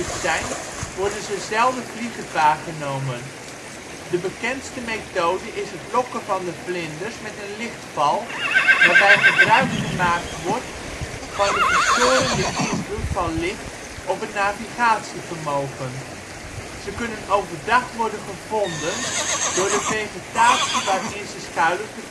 zijn worden ze zelden vliegend waargenomen. De bekendste methode is het lokken van de vlinders met een lichtval, waarbij gebruikgemaakt wordt van de verstorende invloed van licht op het navigatievermogen. Ze kunnen overdag worden gevonden door de vegetatie waarin ze schuilen te verstoren